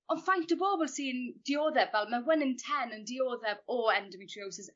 ond faint o bobol sy'n diodde fel ma' one in ten yn dioddef o endometriosis